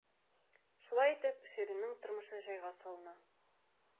Шулай итеп, Ширинның тормышы җайга салына.